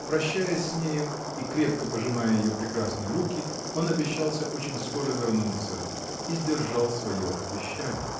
прощаясь с нею и крепко пожимая ее прекрасные руки, он обещался очень скоро вернуться -- и сдержал свое обещание.